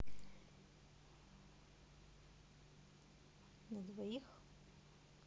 на двоих